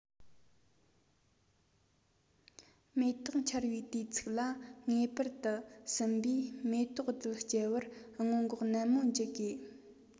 མེ ཏོག འཆར བའི དུས ཚིགས ལ ངེས པར དུ སྲིན འབུས མེ ཏོག རྡུལ སྐྱེལ བར སྔོན འགོག ནན མོ བགྱི དགོས